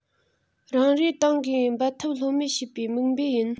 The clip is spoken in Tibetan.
རང རེའི ཏང གིས འབད འཐབ ལྷོད མེད བྱེད པའི དམིགས འབེན ཡིན